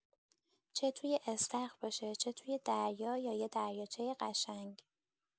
چه توی استخر باشه، چه توی دریا یا یه دریاچه قشنگ.